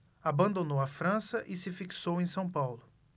abandonou a frança e se fixou em são paulo